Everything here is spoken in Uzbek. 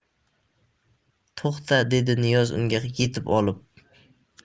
to'xta dedi niyoz unga yetib olib